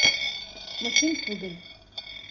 Мөһим түгел.